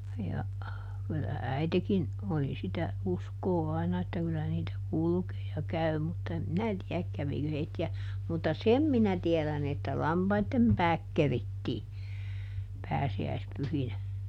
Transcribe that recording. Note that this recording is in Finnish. ja kyllä äitikin oli sitä uskoa aina että kyllä niitä kulkee ja käy mutta en minä tiedä kävikö heitä mutta sen minä tiedän että lampaiden päät kerittiin pääsiäispyhinä